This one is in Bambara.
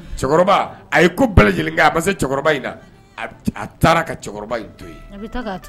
A ye ko lajɛlen a ma se in na a taara ka cɛkɔrɔba in to